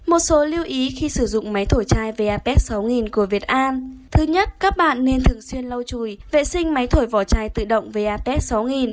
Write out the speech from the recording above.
một số lưu ý khi sử dụng máy thổi chai vapet của việt an thứ nhất các bạn nên thường xuyên lau chùi vệ sinh máy thổi vỏ chai tự động vapet